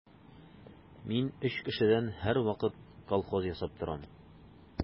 Мин өч кешедән һәрвакыт колхоз ясап торам.